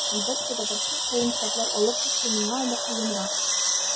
Әлбәттә, татарча калын китаплар алып уку миңа әле кыенрак.